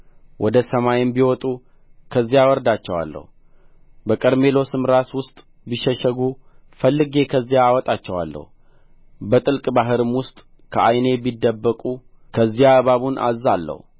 ወደ ሰማይም ቢወጡ ከዚያ አወርዳቸዋለሁ በቀርሜሎስም ራስ ውስጥ ቢሸሸጉ ፈልጌ ከዚያ አወጣቸዋለሁ በጥልቅ ባሕርም ውስጥ ከዓይኔ ቢደበቁ ከዚያ እባቡን አዝዛለሁ